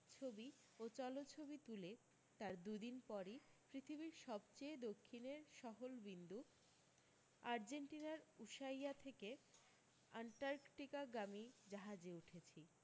ছবি ও চলছবি তুলে তার দুদিন পরি পৃথিবীর সবচেয়ে দক্ষিণের সহলবিন্দু আর্জেন্ঢিনার উশুয়াইয়া থেকে আন্টার্টিকাগামী জাহাজে উঠেছি